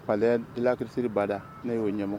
Fale ilakisi bada ne y'o ɲɛmɔgɔ